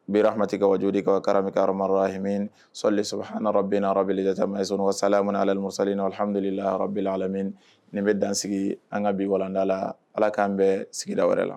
N hamati ka wajɔdi kakaramemahimi sɔli saba ha bin yɔrɔbe ka sala mana ala musa alihamdulla yɔrɔ nin bɛ dansigi an ka bi walanda la ala k'an bɛɛ sigira wɛrɛ la